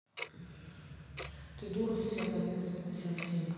ты дура сейчас одиннадцать пятьдесят семь